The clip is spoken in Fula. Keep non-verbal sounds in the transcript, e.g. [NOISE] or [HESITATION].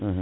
[HESITATION] [HESITATION]